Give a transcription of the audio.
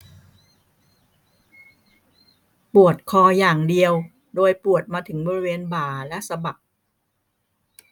ปวดคออย่างเดียวโดยปวดมาถึงบริเวณบ่าและสะบัก